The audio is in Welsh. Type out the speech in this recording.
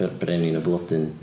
Br- brenin y blodyn.